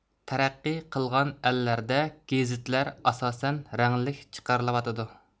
تەرەققىي قىلغان ئەللەردە گېزىتلەر ئاساسەن رەڭلىك چىقىرىلىۋاتىدۇ